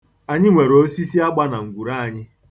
Anyị nwere osisi agba na ngwuru anyị.